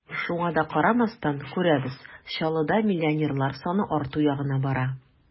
Шуңа да карамастан, күрәбез: Чаллыда миллионерлар саны арту ягына бара.